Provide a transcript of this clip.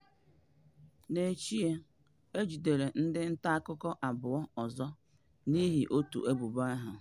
N'echi ya, e jidere ndị nta akụkọ abụọ ọzọ n'ihi otu ebubo ahụ.